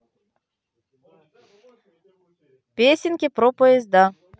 песенки про поезда